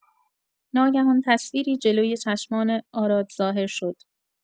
ناگهان تصویری جلوی چشمان آراد ظاهر شد.